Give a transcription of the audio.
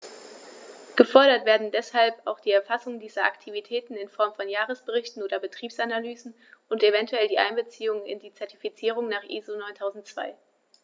Gefordert werden deshalb auch die Erfassung dieser Aktivitäten in Form von Jahresberichten oder Betriebsanalysen und eventuell die Einbeziehung in die Zertifizierung nach ISO 9002.